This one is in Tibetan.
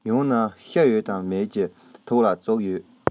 ཡང ན ཤི ཡོད དང མེད ཀྱི ཐོག ལ བཙུགས ཡོད